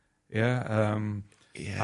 Ie yym Ie.